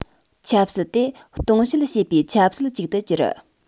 ཆབ སྲིད དེ སྟོང བཤད བྱེད པའི ཆབ སྲིད ཅིག ཏུ གྱུར